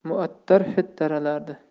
muattar hid taralardi